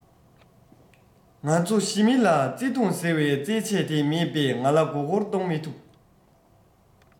ང ཚོ ཞི མི ལ བརྩེ དུང ཟེར བའི རྩེད ཆས དེ མེད པས ང ལ མགོ སྐོར གཏོང མི ཐུབ